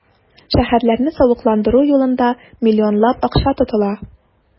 Шәһәрләрне савыкландыру юлында миллионлап акча тотыла.